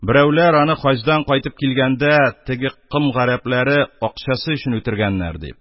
Берәүләр аны хаҗдан кайтып килгәндә, теге ком гарәбләре акчасы өчен үтергәннәр дип,